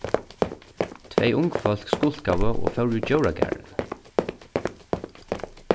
tvey ung fólk skulkaðu og fóru í djóragarðin